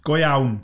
Go iawn?